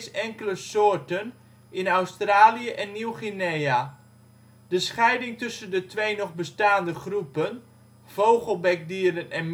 enkele soorten in Australië en Nieuw-Guinea. De scheiding tussen de twee nog bestaande groepen, vogelbekdieren en